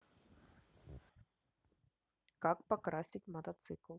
как покрасить мотоцикл